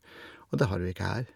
Og det har vi ikke her.